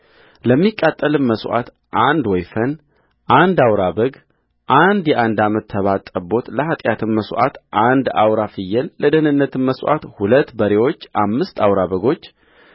ለሚቃጠልም መሥዋዕት አንድ ወይፈን አንድ አውራ በግ አንድ የአንድ ዓመት ተባት ጠቦትለኃጢአትም መሥዋዕት አንድ አውራ ፍየልለደኅንነትም መሥዋዕት ሁለት በሬዎች አምስት አውራ በጎች